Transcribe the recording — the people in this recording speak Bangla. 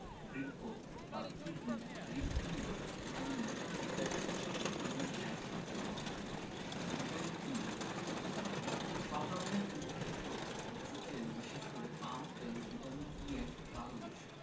বৃক্ক বা কিডনি হৃৎপিণ্ড ধমনি ইত্যাদিতে প্রচুর পরিমাণে ক্যালসিয়াম জমা হতে থাকে ভিটামিন E সব রকমে উদ্ভিজ্জ ভোজ্য তেল বিশেষ করে পাম তেল ভিটামিন E এর ভালো উৎস